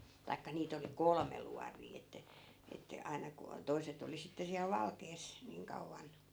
tai niitä oli kolme luotia että että aina kun - toiset oli sitten siellä valkeassa niin kauan